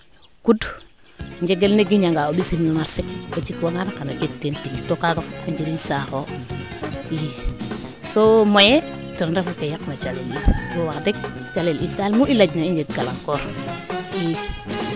kut njegel ne guña nga o mbisin marcher o jikwa ngaan xano jeg teen tig to kaga fop o njiriñ saaxo i so moyen ten ref ke yaq na calel it to wax deg calel daal mu i lanj na i njeg galang koor i